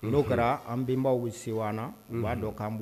N'o kɛra an bɛnenbaw se an na u b'a dɔn k'an